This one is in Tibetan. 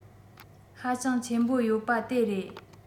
ཧ ཅང ཆེན པོ ཡོད པ དེ རེད